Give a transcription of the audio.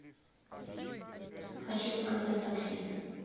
хочу заказать такси